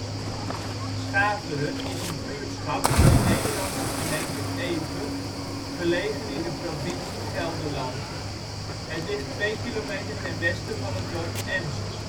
Schaveren is een buurtschap in de Nederlandse gemeente Epe, gelegen in de provincie Gelderland. Het ligt 2 kilometer ten westen van het dorp Emst